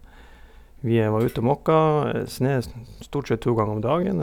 Vi var ute og måka snø stort sett to ganger om dagen.